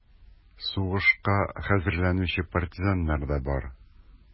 Сугышка хәзерләнүче партизаннар да бар: